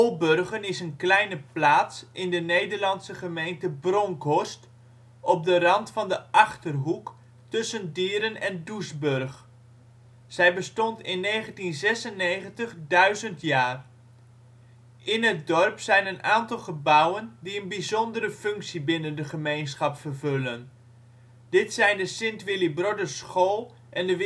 Olburgen is een kleine plaats in de Nederlandse gemeente Bronckhorst, op de rand van de Achterhoek, tussen Dieren en Doesburg. Zij bestond in 1996 duizend jaar. In het dorp zijn een aantal gebouwen die een bijzondere functie binnen de gemeenschap vervullen. Dit zijn de St. Willibrordusschool en de Willibrorduskerk